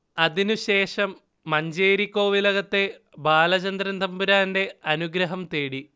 അതിനുശേഷം മഞ്ചേരി കോവിലകത്തെ ബാലചന്ദ്രൻ തമ്പുരാന്റെ അനുഗ്രഹം തേടി